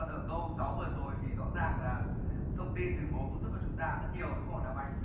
còn ở câu sáu vừa rồi thì rõ ràng là thông tin từ bố cũng giúp cho chúng ta rất nhiều đúng không hả nam anh